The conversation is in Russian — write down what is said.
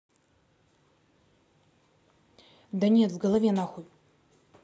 да нет в голове нахуй